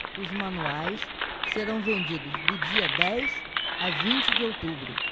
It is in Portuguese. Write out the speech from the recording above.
os manuais serão vendidos do dia dez a vinte de outubro